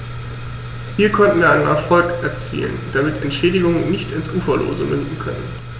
Hier konnten wir einen Erfolg erzielen, damit Entschädigungen nicht ins Uferlose münden können.